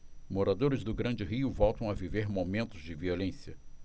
moradores do grande rio voltam a viver momentos de violência